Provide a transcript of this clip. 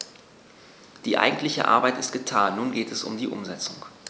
Die eigentliche Arbeit ist getan, nun geht es um die Umsetzung.